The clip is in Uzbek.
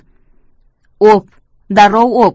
o'p darrov o'p